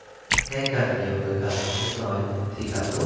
nghe càng nhiều người bản ngữ nói thì càng tốt